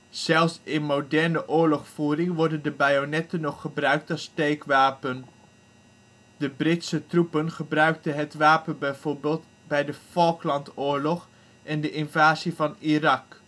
Zelfs in moderne oorlogvoering worden de bajonetten nog gebruikt als steekwapen. De Britse troepen gebruikten het wapen bijvoorbeeld bij de Falklandoorlog en de invasie van Irak